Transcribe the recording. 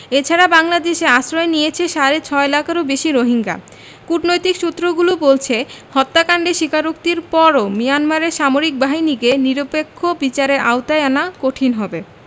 এ ছাড়া বাংলাদেশে আশ্রয় নিয়েছে সাড়ে ছয় লাখেরও বেশি রোহিঙ্গা কূটনৈতিক সূত্রগুলো বলছে হত্যাকাণ্ডের স্বীকারোক্তির পরও মিয়ানমারের সামরিক বাহিনীকে নিরপেক্ষ বিচারের আওতায় আনা কঠিন হবে